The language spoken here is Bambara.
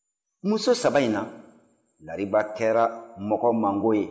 muso saba in na lariba kɛra mɔgɔ mango ye